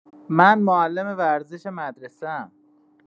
من معلم ورزش مدرسه‌ام.